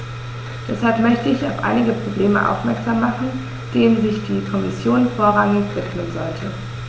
Deshalb möchte ich auf einige Probleme aufmerksam machen, denen sich die Kommission vorrangig widmen sollte.